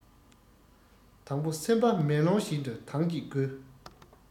དང པོ སེམས པ མེ ལོང བཞིན དུ དྭངས གཅིག དགོས